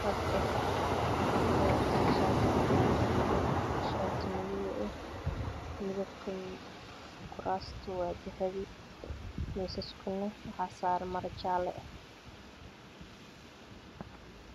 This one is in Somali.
rag eh waxey watan shati cadan ah shati madow eh medabkodu kuraasta wadahabi miisas Kuna waxa saran mara jaala ah